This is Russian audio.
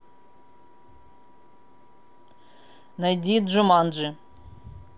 найди джуманджи